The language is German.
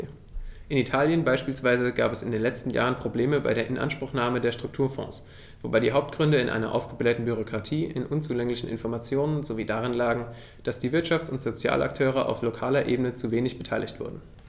In Italien beispielsweise gab es in den letzten Jahren Probleme bei der Inanspruchnahme der Strukturfonds, wobei die Hauptgründe in einer aufgeblähten Bürokratie, in unzulänglichen Informationen sowie darin lagen, dass die Wirtschafts- und Sozialakteure auf lokaler Ebene zu wenig beteiligt wurden.